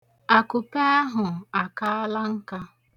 Akupe ahụ akaala nka.